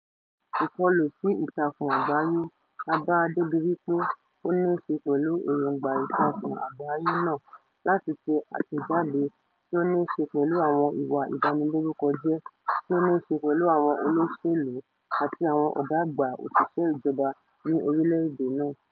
Ìkọlù sí ìtàkùn àgbáyé A bàa dàbí wípé ó níí ṣe pẹ̀lú èróńgbà ìtàkùn àgbáyé náà láti tẹ àtẹ̀jáde tí ó níí ṣe pẹ̀lú àwọn ìwà ìbanilórúkọjẹ́ tí ó níí ṣe pẹ̀lú àwọn olóṣèlú àti àwọn ọ̀gá àgbà òṣìṣẹ́ ìjọba ní orílẹ̀ èdè náà.